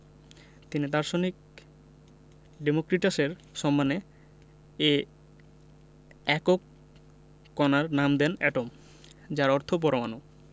তিনি দার্শনিক ডেমোক্রিটাসের সম্মানে এ একক কণার নাম দেন এটম যার অর্থ পরমাণু